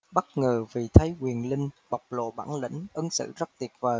bất ngờ vì thấy quyền linh bộc lộ bản lĩnh ứng xử rất tuyệt vời